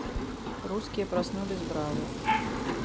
русские проснулись браво